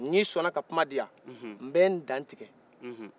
n'i sɔnɔ ka kuma diɲan nbɛ ndatigɛ